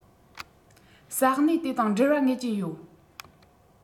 ས གནས དེ དང འབྲེལ བ ངེས ཅན ཡོད